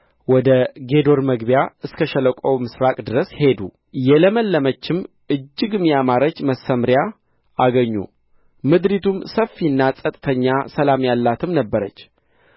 ወደ ጌዶር መግቢያ እስከ ሸለቆው ምሥራቅ ድረስ ሄዱ የለመለመችም እጅግም ያማረች መሰምርያ አገኙ ምድሪቱም ሰፊና ጸጥተኛ ሰላም ያላትም ነበረች